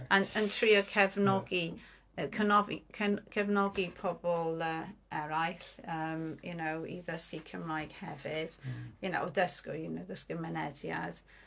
Yn... yn trio cefnogi... yy cynof- ce- cefnogi pobl yy eraill yym you know i ddysgu Cymraeg hefyd y'kno- o ddysgu... you know ddysgu mynediad.